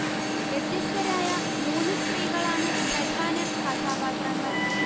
വ്യത്യസ്തരായ മൂന്ന് സ്ത്രീകളാണ് പ്രധാന കഥാപാത്രങ്ങൾ